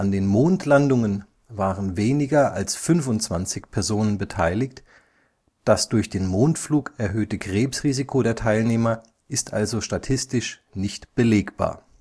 den Mondlandungen waren weniger als 25 Personen beteiligt, das durch den Mondflug erhöhte Krebsrisiko der Teilnehmer ist also statistisch nicht belegbar